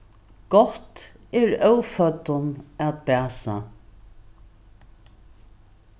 gott er óføddum at bæsa